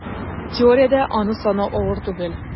Теориядә аны санау авыр түгел: